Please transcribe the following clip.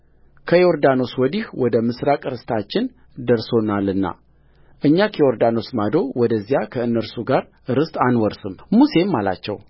ከዮርዳኖስ ወዲህ ወደ ምሥራቅ ርስታችን ደርሶናልና እኛ ከዮርዳኖስ ማዶ ወደዚያ ከእነርሱ ጋር ርስት አንወርስምሙሴም አላቸው